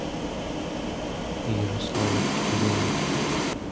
ярослава дегтярева